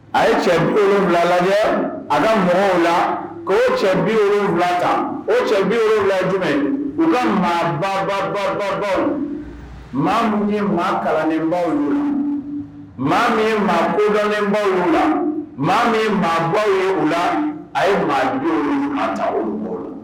A ye cɛ biwula lajɛ a ka mɔgɔw la k oo cɛ biwula ta o cɛ bɛwula jumɛn u ka maababababaw maa minnu ye maa kalanlenbaw uu la mɔgɔ min maadɔnlenbaw u la mɔgɔ min maa bɔ u la a ye maa ta